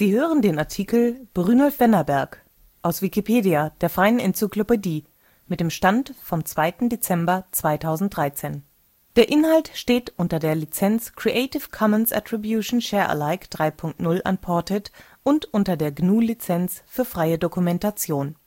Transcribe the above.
hören den Artikel Brynolf Wennerberg, aus Wikipedia, der freien Enzyklopädie. Mit dem Stand vom Der Inhalt steht unter der Lizenz Creative Commons Attribution Share Alike 3 Punkt 0 Unported und unter der GNU Lizenz für freie Dokumentation